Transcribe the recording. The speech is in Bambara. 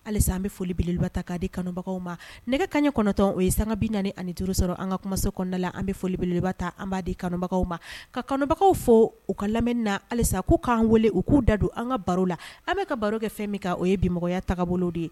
Hali an bɛ folibeleba ta'a di kanubagaw ma nɛgɛ kanɲɛ kɔnɔtɔn o ye sanga bi naani ani ni duuruuru sɔrɔ an ka kumaso kɔnɔnada an bɛ folibeleriba ta an b'a dibagaw ma ka kɔnɔbagaw fɔ u ka lamɛnini na halisa k'u k'an wele u k'u da don an ka baro la an bɛ ka baro kɛ fɛn min o ye bimɔgɔya tabolo de ye